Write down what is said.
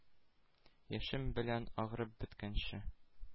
Яшем белән агып беткәнче?